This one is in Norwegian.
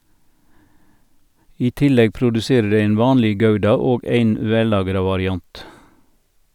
I tillegg produserer dei ein vanleg gouda, og ein vellagra variant.